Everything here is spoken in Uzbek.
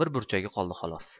bir burchagi qoldi xolos